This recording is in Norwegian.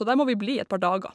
Og der må vi bli et par dager.